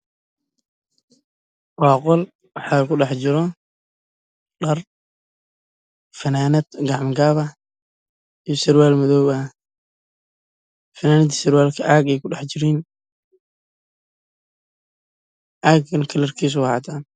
Waa boonbalo midabkiisu cadaan fanaanado cadaan